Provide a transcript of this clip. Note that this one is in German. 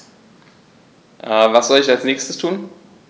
Was soll ich als Nächstes tun?